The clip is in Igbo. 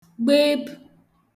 gbep